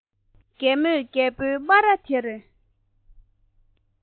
རྒན མོས རྒད པོའི སྨ ར དེར